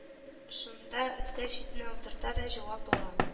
Шунда өстәл читенә утырта да җавап ала